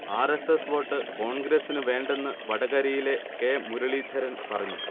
R. S. S. Vote കോൺഗ്രസിന് വേണ്ടെന്ന് വടകരയിലെ കെ. മുരളീധരൻ പറഞ്ഞു